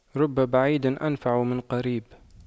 رب بعيد أنفع من قريب